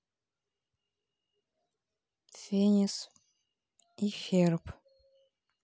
финес и ферб